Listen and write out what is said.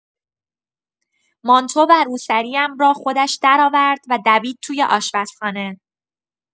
مانتو و روسری‌ام را خودش درآورد و دوید توی آشپزخانه.